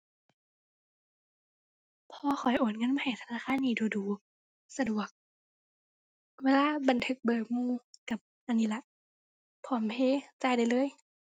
พ่อข้อยโอนเงินมาให้ธนาคารนี้ดู๋ดู๋ สะดวก เวลาบันทึกเบอร์หมู่ก็อันนี้ล่ะ PromptPay จ่ายได้เลย